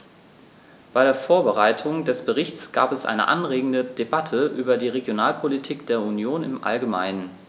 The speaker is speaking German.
Bei der Vorbereitung des Berichts gab es eine anregende Debatte über die Regionalpolitik der Union im allgemeinen.